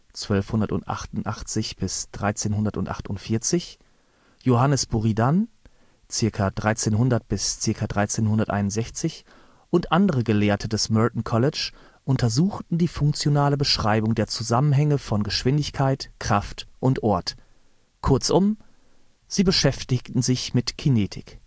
1288 – 1348), Johannes Buridan (ca. 1300 bis ca. 1361) und andere Gelehrte des Merton College untersuchten die funktionale Beschreibung der Zusammenhänge von Geschwindigkeit, Kraft, Ort, kurzum: sie beschäftigten sich mit Kinetik